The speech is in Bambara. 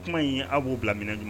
Kuma in a' b'o bila minɛ jumɛn?